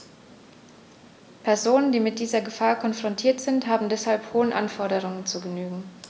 Personen, die mit dieser Gefahr konfrontiert sind, haben deshalb hohen Anforderungen zu genügen.